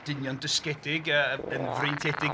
Dynion dysgiedig, yn freintiedig